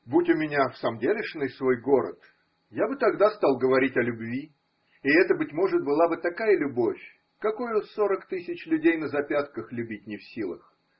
Будь у меня всамделишный свой город, я бы тогда стал говорить о любви: и это, быть может, была бы такая любовь, какою сорок тысяч людей на запятках любить не в силах.